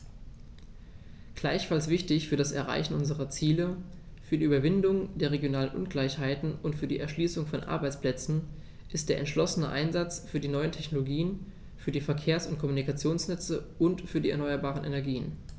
Gleichfalls wichtig für das Erreichen unserer Ziele, für die Überwindung der regionalen Ungleichheiten und für die Erschließung von Arbeitsplätzen ist der entschlossene Einsatz für die neuen Technologien, für die Verkehrs- und Kommunikationsnetze und für die erneuerbaren Energien.